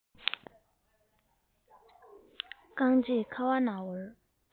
རྐང རྗེས ཁ བ ན བོར